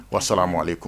Ko sara male kun